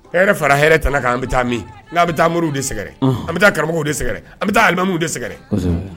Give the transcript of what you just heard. Hɛrɛ fara hɛrɛ tana kan aw bɛ taa min kan bɛ taa moriw de sɛgɛrɛ anw bɛ taa karamɔgɔw de sɛgɛrɛ anw bɛ taa alimamiw de sɛgɛrɛ kosɛbɛ.